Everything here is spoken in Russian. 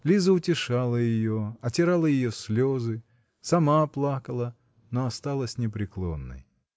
Лиза утешала ее, отирала ее слезы, сама плакала, но осталась непреклонной.